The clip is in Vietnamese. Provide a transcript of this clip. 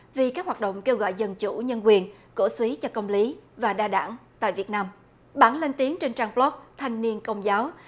vì các hoạt động kêu gọi dân chủ nhân quyền cổ súy cho công lý và đa đảng tại việt nam bắn lên tiếng trên trang bờ loóc thanh niên công giáo